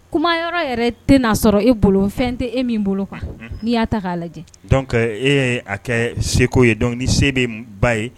Kuma yɔrɔ yɛrɛ tɛ n'a sɔrɔ e bolo fɛn tɛ e min bolo n'i y'a ta k'a lajɛ e a kɛ seko ye dɔn ni se bɛ ba ye